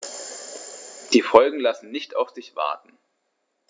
Die Folgen lassen nicht auf sich warten.